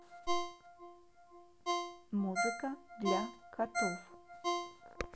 музыка для котов